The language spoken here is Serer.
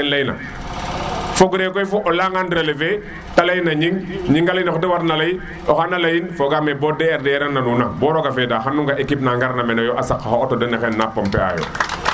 foog re koy fo o leya ngan a relever te ley na Gning Gning a ley na xete war na leyit xana leyin foga me bo DRDR a nanu na bo roga feda xanu nga équipe na ngar na mene yo a sank xa auto dena xene na pompé ayo